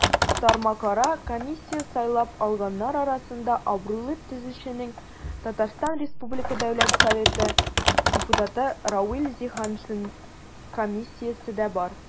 Тармакара комиссия сайлап алганнар арасында абруйлы төзүченең, ТР Дәүләт Советы депутаты Равил Зиганшин компаниясе дә бар.